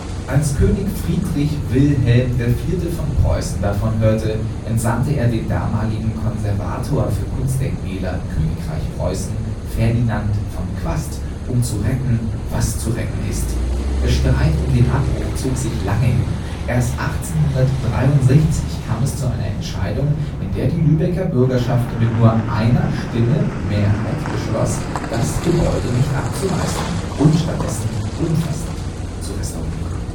Als König Friedrich Wilhelm IV. von Preußen davon hörte, entsandte er den damaligen Konservator für Kunstdenkmäler im Königreich Preußen, Ferdinand von Quast, um zu retten was zu retten ist. Der Streit um den Abbruch zog sich lange hin. Erst 1863 kam es zu einer Entscheidung, in der die Lübecker Bürgerschaft mit nur einer Stimme Mehrheit beschloss, das Gebäude nicht abzureißen und stattdessen umfassend zu restaurieren